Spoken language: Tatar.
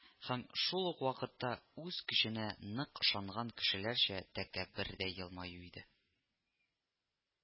Һәм шул ук вакытта, үз көченә нык ышанган кешеләрчә тәкәббер дә елмаю иде